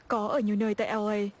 có ở nhiều nơi tại eo ây